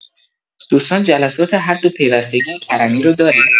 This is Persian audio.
دوستان جلسات حد و پیوستگی کرمی رو دارید؟